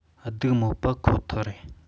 སྡུག མོ པ ཁོ ཐག རེད